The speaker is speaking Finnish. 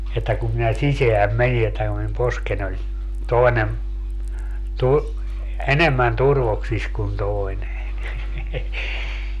että kun minä sisään menin että kun minun poskeni oli toinen - enemmän turvoksissa kuin toinen